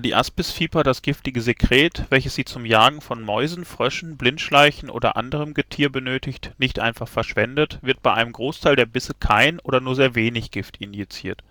die Aspisviper das giftige Sekret, welches sie zum Jagen von Mäusen, Fröschen, Blindschleichen oder anderem Getier benötigt, nicht einfach verschwendet, wird bei einem Großteil der Bisse kein oder nur sehr wenig Gift injiziert.